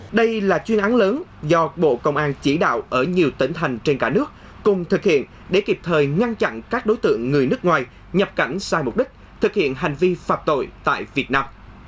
đây là chuyên án lớn do bộ công an chỉ đạo ở nhiều tỉnh thành trên cả nước cùng thực hiện để kịp thời ngăn chặn các đối tượng người nước ngoài nhập cảnh sai mục đích thực hiện hành vi phạm tội tại việt nam